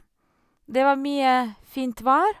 Det var mye fint vær.